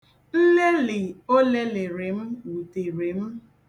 Nlelị o lelịrị m wutere m.